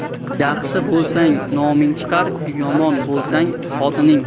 yaxshi bo'lsang noming chiqar yomon bo'lsang xotining